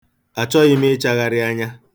Achọghị m ịchagharị anya.